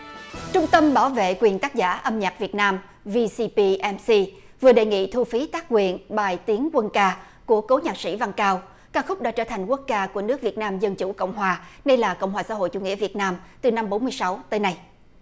trung tâm bảo vệ quyền tác giả âm nhạc việt nam vi ci pi em xi vừa đề nghị thu phí tác quyền bài tiến quân ca của cố nhạc sĩ văn cao ca khúc đã trở thành quốc ca của nước việt nam dân chủ cộng hòa nay là cộng hòa xã hội chủ nghĩa việt nam từ năm bốn mươi sáu tới này